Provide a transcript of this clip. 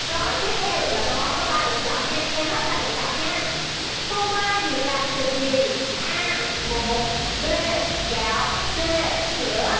câu hỏi tiếp theo là câu hỏi có ba lửa chỏn nha nghe hết ba lửa chỏn nha phô mai được làm từ gì a bột bê gảo xê sửa